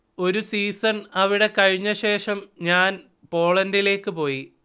ഒരു സീസൺ അവിടെ കഴിഞ്ഞശേഷം ഞാൻ പോളണ്ടിലേയ്ക്ക് പോയി